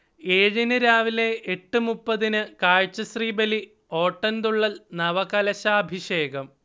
ഏഴിന് രാവിലെ എട്ട് മുപ്പതിന് കാഴ്ചശ്രീബലി, ഓട്ടൻതുള്ളൽ, നവകലശാഭിഷേകം